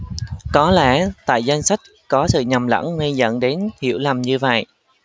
có lẽ tại danh sách có sự nhầm lẫn nên dẫn đến hiểu lầm như vậy